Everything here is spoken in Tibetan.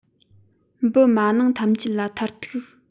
འབུ མ ནིང ཐམས ཅད ལ མཐར ཐུག དེ འདྲའི ཁྱད པར ཅན གྱི རང བཞིན ཡོད ངེས པ རེད